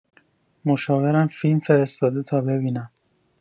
مشاورم فیلم فرستاده تا ببینیم